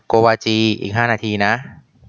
โกวาจีอีกห้านาทีนะ